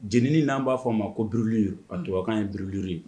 Jeniini n'an b'a fɔ a ma ko briulure a tubabu kan ye ko brulure